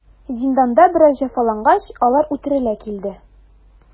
Зинданда бераз җәфалангач, алар үтерелә килде.